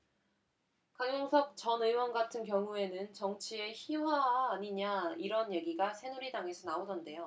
강용석 전 의원 같은 경우에는 정치의 희화화 아니냐 이런 얘기가 새누리당에서 나오던데요